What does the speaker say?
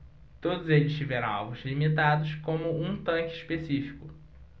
todos eles tiveram alvos limitados como um tanque específico